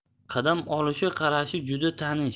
qadam olishi qarashi juda tanish